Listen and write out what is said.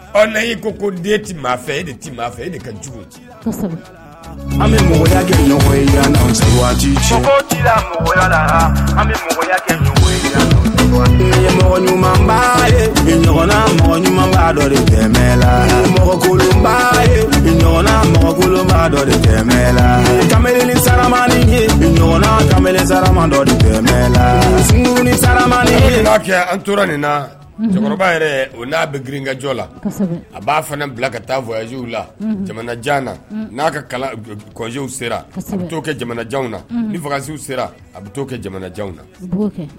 Ɔ na'i ko ko den tɛma fɛ e de ti fɛ e ka cogo la an bɛ mɔgɔya an bɛ ɲuman mɔgɔ ɲumanla mɔgɔ mɔgɔ ɲa la sun kɛ an tora nin na cɛkɔrɔba yɛrɛ o n'a bɛ grinkajɔ la a b'a fana bila ka taazw la jamana jan na n'a kazw sera u to kɛ jamanajan na nifasiww sera a bɛ to kɛ jamanajan na